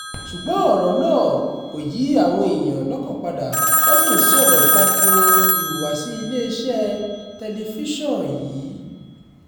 Ṣùgbọ́n ọ̀rọ̀ náà kò yí àwọn èèyàn lọ́kàn padà, wọ́n sì ń sọ̀rọ̀ tako ìhùwàsí iléeṣẹ́ tẹlifíṣàn yìí.